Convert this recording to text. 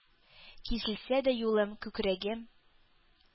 Киселсә дә юлым; күкрәгем